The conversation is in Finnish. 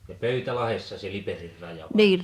ja Pöytälahdessa se Liperin raja vai